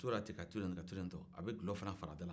a bɛ t'o ten to ka to ten ka to ten a bɛ dulo fana fara a da la